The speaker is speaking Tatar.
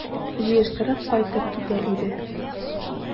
Җыештырып кайтып китә идек...